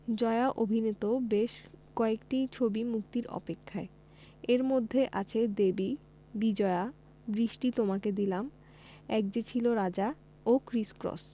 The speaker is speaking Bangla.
জয়া অভিনীত বেশ কয়েকটি ছবি মুক্তির অপেক্ষায় এর মধ্যে আছে দেবী বিজয়া বৃষ্টি তোমাকে দিলাম এক যে ছিল রাজা ও ক্রিস ক্রস